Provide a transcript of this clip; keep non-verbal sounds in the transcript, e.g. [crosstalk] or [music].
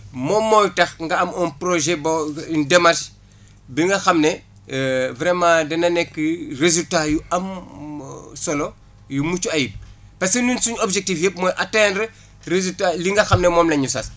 moom mooy tax nga am un projet boo une démarche bi nga xam ne [hesitation] vraiment dana nekk résultats yu am [hesitation] solo yu mucc ayib parce que ñun suñu objectif mooy atteindre résultats yi nga xam ne moom lañ ñu sax